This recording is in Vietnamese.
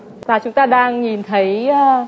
và chúng ta đang nhìn thấy a